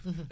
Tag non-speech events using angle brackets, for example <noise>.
<hesitation> <hesitation>